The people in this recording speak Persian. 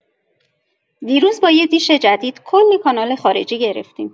دیروز با یه دیش جدید، کلی کانال خارجی گرفتیم!